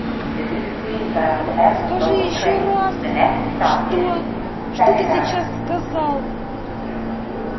скажи еще раз что что ты сейчас сказал